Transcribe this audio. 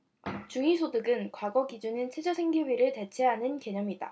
중위소득은 과거 기준인 최저생계비를 대체하는 개념이다